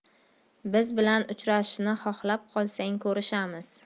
biz bilan uchrashishni xohlab qolsang ko'rishamiz